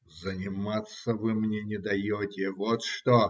- Заниматься вы мне не даете - вот что!